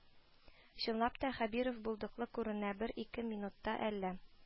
Чынлап та Хәбиров булдыклы күренә, бер-ике минутта әллә